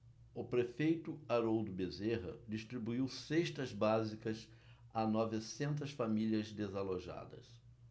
o prefeito haroldo bezerra distribuiu cestas básicas a novecentas famílias desalojadas